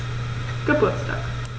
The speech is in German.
Geburtstag